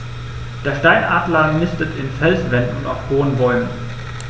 Der Steinadler nistet in Felswänden und auf hohen Bäumen.